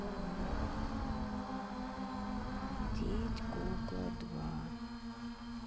деть кукла два